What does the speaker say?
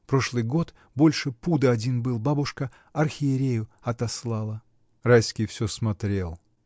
Прошлый год больше пуда один был, бабушка архиерею отослала. Райский всё смотрел.